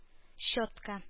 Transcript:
Щетка